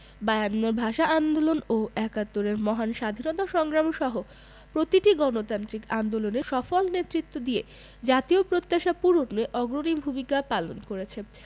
বায়ান্নর ভাষা আন্দোলন ও একাত্তরের মহান স্বাধীনতা সংগ্রাম সহ প্রতিটি গণতান্ত্রিক আন্দোলনে সফল নেতৃত্ব দিয়ে জাতীয় প্রত্যাশা পূরণে অগ্রণী ভূমিকা পালন করেছে